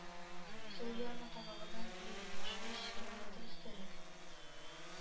Сул ярына тамагыннан йөз җитмеә өч километр өстәрәк